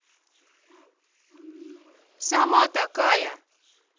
сама такая